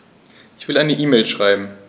Ich will eine E-Mail schreiben.